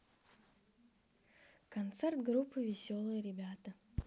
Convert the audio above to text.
концерт группы веселые ребята